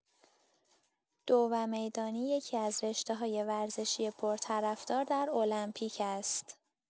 دوومیدانی یکی‌از رشته‌های ورزشی پرطرفدار در المپیک است.